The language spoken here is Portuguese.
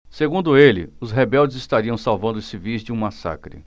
segundo ele os rebeldes estariam salvando os civis de um massacre